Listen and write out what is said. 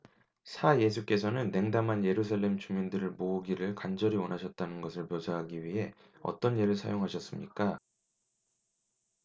사 예수께서는 냉담한 예루살렘 주민들을 모으기를 간절히 원하셨다는 것을 묘사하기 위해 어떤 예를 사용하셨습니까